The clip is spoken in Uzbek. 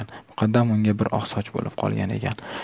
muqaddam unga bir oqsoch bo'lib qolgan ekan